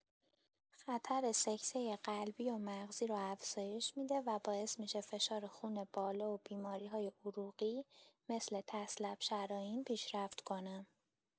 خطر سکته قلبی و مغزی رو افزایش می‌ده و باعث می‌شه فشار خون بالا و بیماری‌های عروقی مثل تصلب شرائین پیشرفت کنه.